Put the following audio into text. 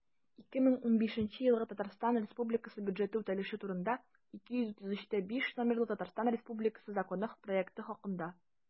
«2015 елгы татарстан республикасы бюджеты үтәлеше турында» 233-5 номерлы татарстан республикасы законы проекты хакында